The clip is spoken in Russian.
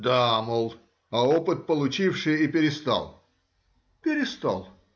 — Да, мол, а опыт получивши, и перестал? — Перестал.